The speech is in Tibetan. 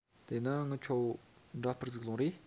དེས ན ངི ཆོའ འདྲ དཔར ཟིག ལོངས རེས